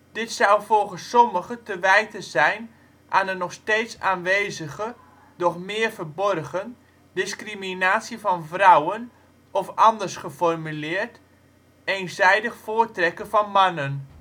Dit zou volgens sommigen te wijten zijn aan een nog steeds aanwezige - doch meer verborgen - discriminatie van vrouwen of anders geformuleerd: eenzijdig voortrekken van mannen